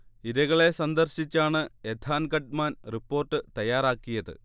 ഇരകളെ സന്ദർശിച്ചാണ് Ethan Gutmann report തയാറാക്കിയത്